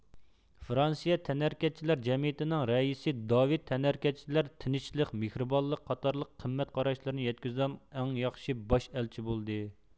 فرانسىيە تەنھەرىكەتچىلەر جەمئىيىتىنىڭ رەئىسى داۋىد تەنھەرىكەتچىلەر تىنچلىق مېھرىبانلىق قاتارلىق قىممەت قاراشلىرىنى يەتكۈزىدىغان ئەڭ ياخشى باش ئەلچى بولدى